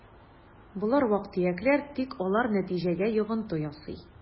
Болар вак-төякләр, тик алар нәтиҗәгә йогынты ясый: